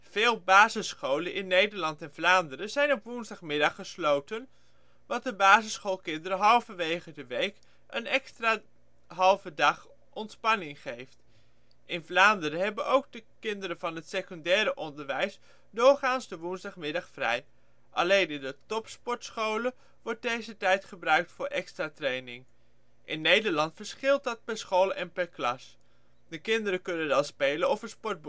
Veel basisscholen in Nederland en Vlaanderen zijn op woensdagmiddag gesloten, wat de basisschoolkinderen halverwege de week een halve dag extra ontspanning geeft. In Vlaanderen hebben ook de de leerlingen van het secundair onderwijs doorgaans de woensdagmiddag vrij. Alleen in de topsportscholen wordt deze tijd gebruikt voor extra training. In Nederland verschilt dat per school en per klas. De kinderen kunnen dan spelen, of een sport beoefenen